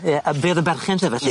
Ie a fe o'dd yn berchen te felly?